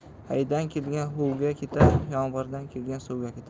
haydan kelgan huvga ketar yomg'irdan kelgan suvga ketar